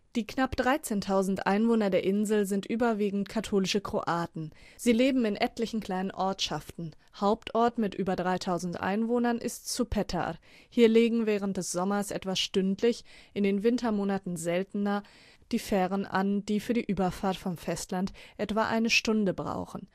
Die knapp 13.000 Einwohner der Insel sind überwiegend katholische Kroaten. Sie leben in etlichen kleinen Ortschaften. Hauptort mit über 3000 Einwohnern ist Supetar. Hier legen während des Sommers etwa stündlich (in den Wintermonaten seltener) die Fähren an, die für die Überfahrt vom Festland etwa eine Stunde brauchen